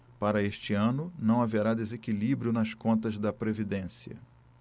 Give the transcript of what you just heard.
para este ano não haverá desequilíbrio nas contas da previdência